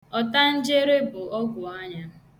Ọtanjere bụ ọgwụ anya.